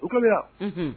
I kama